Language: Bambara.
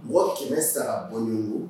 Mɔgɔ300 bɔɲɔnko